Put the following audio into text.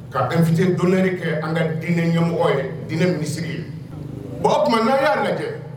Ka invité d'honneur kɛ nan ka diinɛ ɲɛmɔgɔ ye, diinɛ miunisiri ye, bon o tuma n'an y'a lajɛ